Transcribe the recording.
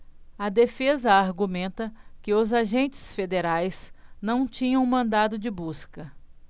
a defesa argumenta que os agentes federais não tinham mandado de busca